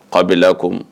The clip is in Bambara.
Awa bɛlako